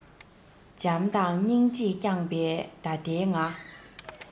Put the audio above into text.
བྱམས དང སྙིང རྗེས བསྐྱང པས ད ལྟའི ང